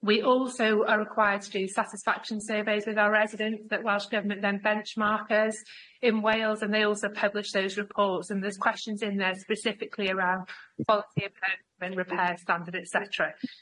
We also are required to do satisfaction surveys with our residents that Welsh Government then benchmark us in Wales and they also publish those reports and there's questions in there specifically around quality of care and repair standard et cetera.